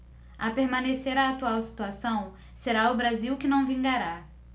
a permanecer a atual situação será o brasil que não vingará